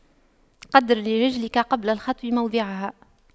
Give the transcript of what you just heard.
قَدِّرْ لِرِجْلِكَ قبل الخطو موضعها